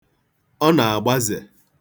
Ọ na-agbaze.